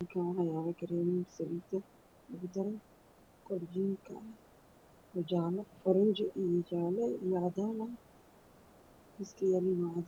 Halkaan waxaa ka muuqdo labo shaambo oo guduud ah midna waa fur guduudan tahay midna way fur cadahay